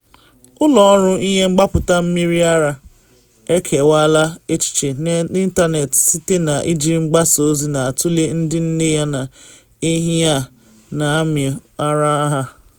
Ụlọ ọrụ ihe mgbapụta mmiri ara ekewaala echiche n’ịntanetị site na iji mgbasa ozi na atụle ndị nne yana ehi a na amị ara ha.